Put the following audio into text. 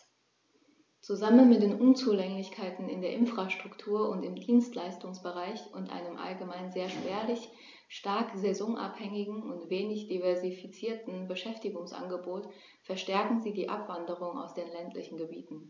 Zusammen mit den Unzulänglichkeiten in der Infrastruktur und im Dienstleistungsbereich und einem allgemein sehr spärlichen, stark saisonabhängigen und wenig diversifizierten Beschäftigungsangebot verstärken sie die Abwanderung aus den ländlichen Gebieten.